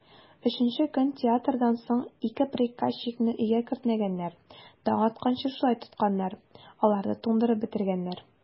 Өченче көн театрдан соң ике приказчикны өйгә кертмәгәннәр, таң атканчы шулай тотканнар, аларны туңдырып бетергәннәр.